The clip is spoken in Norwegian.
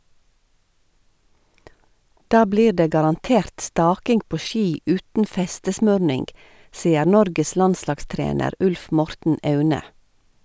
Da blir det garantert staking på ski uten festesmurning, sier Norges landslagstrener Ulf Morten Aune.